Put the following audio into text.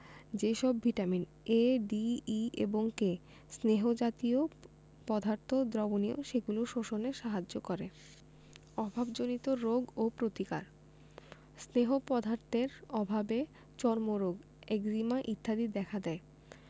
যে সব vitamin A D E এবং K স্নেহ জাতীয় পদার্থ দ্রবণীয় সেগুলো শোষণে সাহায্য করে অভাবজনিত রোগ ও প্রতিকার স্নেহ পদার্থের অভাবে চর্মরোগ একজিমা ইত্যাদি দেখা দেয়